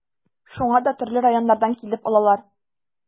Шуңа да төрле районнардан килеп алалар.